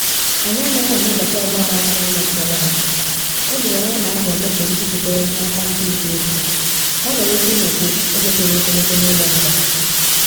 Anyị anaghị anabata ọgbaghara n’ụlọ mkpọrọ anyị, o doro anya na aga enyefe ndị butere ya n’aka ndị uwe oji, ha nwere ike ịnọkwu oge toro ogologo n’ụlọ nga.’